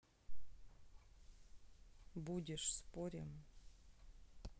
будешь спорим